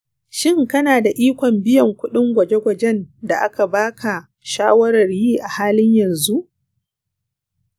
shin kana da ikon biyan kuɗin gwaje-gwajen da aka ba ka shawarar yi a halin yanzu?